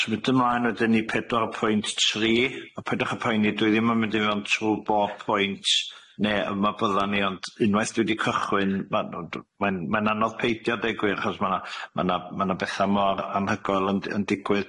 Symud ymlaen wedyn i pedwar y pwynt tri, a pedwch y poeni dwi ddim yn mynd i mewn trw bob pwynt ne' yma bydda ni ond unwaith dwi wedi cychwyn ma'n ond ma'n ma'n anodd peidio deu gwir achos ma' na ma' na ma' na betha mor anhygoel ynd- yn digwydd,